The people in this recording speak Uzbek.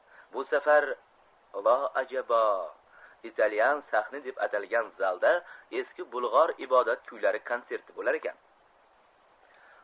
bu safar vo ajabo italyan sahni deb atalg'an zalda eski bulg'or ibodat kuylari kontserti bo'larkan